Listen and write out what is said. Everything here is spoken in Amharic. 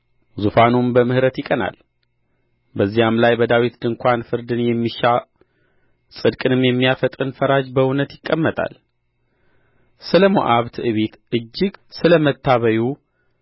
ዙፋንም በምሕረት ይቀናል በዚያም ላይ በዳዊት ድንኳን ፍርድን የሚሻ ጽድቅንም የሚያፈጥን ፈራጅ በእውነት ይቀመጣል ስለ ሞዓብ ትዕቢት እጅግ ስለ መታበዩ